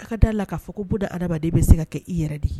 A ka d'a la ka fɔ bun adamaden bɛ se ka kɛ i yɛrɛ de